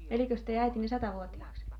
elikö se teidän äitinne satavuotiaaksi